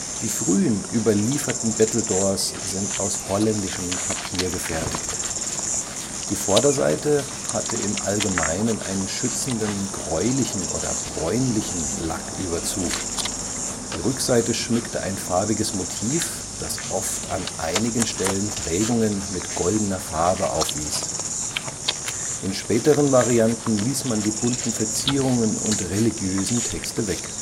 Die frühen überlieferten Battledores sind aus holländischem Papier gefertigt. Die Vorderseite hatte im Allgemeinen einen schützenden gräulichen oder bräunlichen Lacküberzug; die Rückseite schmückte ein farbiges Motiv, das oft an einigen Stellen Prägungen mit goldener Farbe aufwies. In späteren Varianten ließ man die bunten Verzierungen und religiösen Texte weg